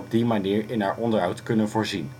die manier in haar onderhoud kunnen voorzien